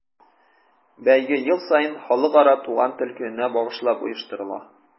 Бәйге ел саен Халыкара туган тел көненә багышлап оештырыла.